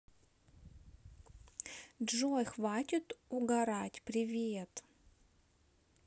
джой хватит угорать привет